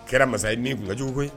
Kɛra masa ye min tun ka jugu koyi.